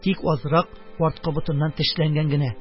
Тик азрак арткы ботыннан тешләнгән генә.